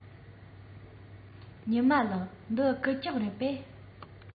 ཉི མ ལགས འདི རྐུབ བཀྱག རེད པས